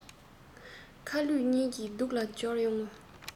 ཁ ལུས གཉིས ཀྱིས སྡུག ལ སྦྱར ཡོང ངོ